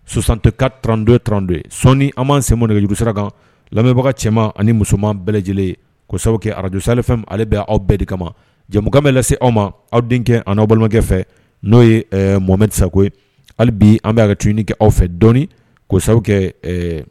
Sonsanteka tranto trante ye sɔɔni an'an senmo nɛgɛgejurusa kan lamɛnbaga cɛman ani musoman bɛɛ lajɛlen sababu kɛ arajsafɛn ale bɛ aw bɛɛ de kama jɛ bɛ lase aw ma aw denkɛ ani aw balimakɛ fɛ n'o ye mɔmɛsa hali bi an bɛ ka tu ɲini kɛ aw fɛ dɔnɔni kosa kɛ